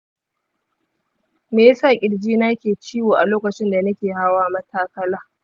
me ya sa kirjina ke ciwo a lokacin da nake hawa matakala?